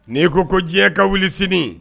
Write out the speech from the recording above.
N'i ko ko diɲɛ ka wuli sini